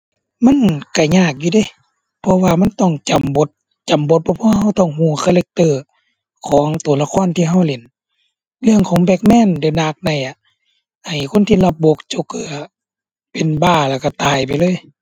มันก็ยากอยู่เดะ เพราะว่ามันต้องจำบท จำบทบ่พอก็ต้องก็คาแรกเตอร์ของก็ละครที่ก็เล่น เรื่องของ Batman The Dark Knight อะ ไอ้ คนที่รับบท Joker อะ เป็นบ้าแล้วก็ตายไปเลย